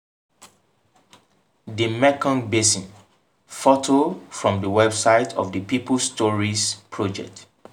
The Mekong Basin. Photo from the website of The People's Stories project.